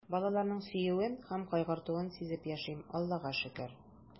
Балаларның сөюен һәм кайгыртуын сизеп яшим, Аллага шөкер.